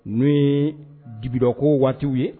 N'o ye dibidɔnko waatiw ye